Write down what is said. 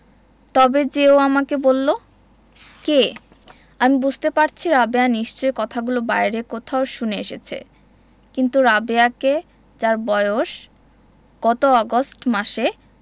তবে যে ও আমাকে বললো কে আমি বুঝতে পারছি রাবেয়া নিশ্চয়ই কথাগুলি বাইরে কোথাও শুনে এসেছে কিন্তু রাবেয়াকে যার বয়স গত আগস্ট মাসে